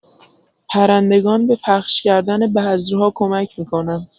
پرندگان به پخش کردن بذرها کمک می‌کنن.